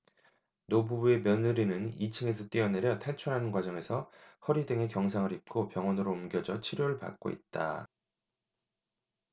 노부부의 며느리는 이 층에서 뛰어내려 탈출하는 과정에서 허리 등에 경상을 입고 병원으로 옮겨져 치료를 받고 있다